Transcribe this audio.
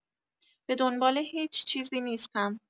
به دنبال هیچ چیزی نیستم.